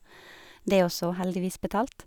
Det også heldigvis betalt.